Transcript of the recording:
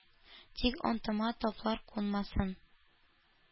Тик антыма таплар кунмасын!»